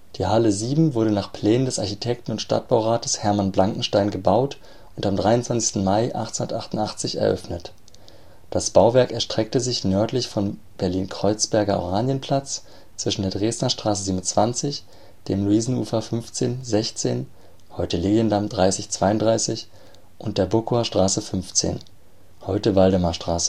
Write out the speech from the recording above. Die Halle VII wurde nach Plänen des Architekten und Stadtbaurates Hermann Blankenstein gebaut und am 23. Mai 1888 eröffnet. Das Bauwerk erstreckte sich nördlich vom Berlin-Kreuzberger Oranienplatz zwischen der Dresdener Straße 27, dem Luisenufer 15/16 (heute Legiendamm 30/32) und der Buckower Straße 15 (heute Waldemarstraße